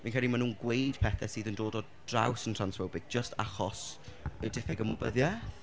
Fi'n credu mae nhw'n gweud pethau sydd yn dod o draws yn transphobic jyst achos y diffyg ymwybyddiaeth.